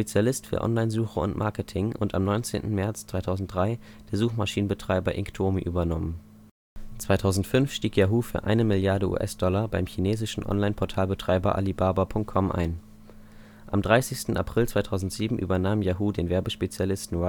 für Online-Suche und - Marketing und am 19. März 2003 der Suchmaschinenbetreiber Inktomi übernommen. 2005 stieg Yahoo für eine Milliarde US-Dollar beim chinesischen Online-Portalbetreiber Alibaba.com ein. Am 30. April 2007 übernahm Yahoo den Werbespezialisten